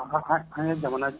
An ye jamana